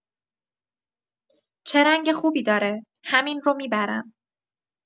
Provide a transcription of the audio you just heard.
چه رنگ خوبی داره، همین رو می‌برم.